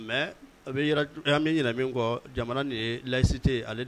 Min jamana nin ye layisite ale